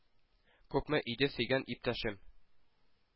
Күпме иде сөйгән иптәшем,